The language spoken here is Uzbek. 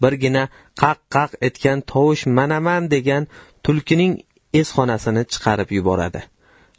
birgina qaq qaq etgan tovush manman degan tulkining esxonasini chiqarib yuboradi